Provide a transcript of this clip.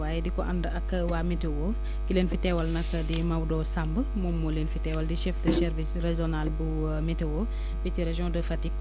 waaye di ko ànd ak waa météo ki leen fi teewal nag di Maodo Samb moom moo leen fi teewal di chef de service régional bu météo fii ci région de Fatick